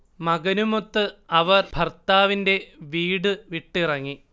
മകനുമൊത്ത് അവർ ഭർത്താവിന്റെ വീട് വിട്ടിറങ്ങി